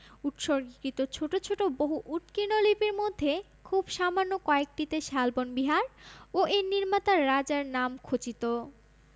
উৎসর্গীকৃত ছোট ছোট বহু উৎকীর্ণ লিপির মধ্যে খুব সামান্য কয়েকটিতে শালবন বিহার ও এর নির্মাতা রাজার নাম খচিত